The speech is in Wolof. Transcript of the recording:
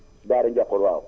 Daara Ndiakhoul waaw